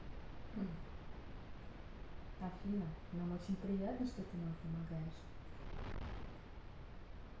афина нам очень приятно что ты нам помогаешь